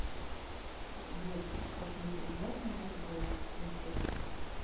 сбер как мне приятно ваш голос слышать